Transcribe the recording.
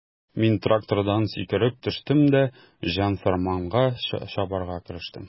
Мин трактордан сикереп төштем дә җан-фәрманга чабарга керештем.